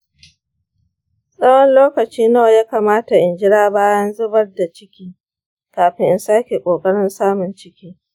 tsawon lokaci nawa ya kamata in jira bayan zubar da ciki kafin in sake ƙoƙarin samun ciki?